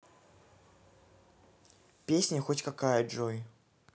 песня хоть какая джой